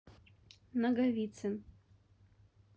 наговицын